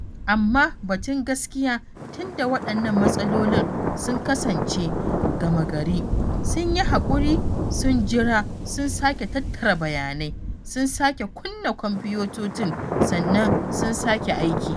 Amma batun gaskiya, tunda waɗannan matsalolin sun kasance gama-gari, sun yi haƙuri, sun jira, sun sake tattara bayanai, sun sake kunna kwanfutotin, sannan sun sake aiki.